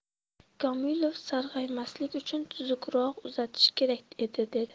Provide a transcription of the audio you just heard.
komilov sarg'aymaslik uchun tuzukroq uzatish kerak edi debdi